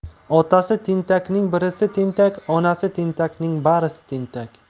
otasi tentakning birisi tentak onasi tentakning barisi tentak